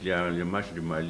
Masidi mali